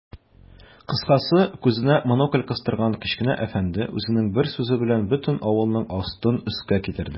Кыскасы, күзенә монокль кыстырган кечкенә әфәнде үзенең бер сүзе белән бөтен авылның астын-өскә китерде.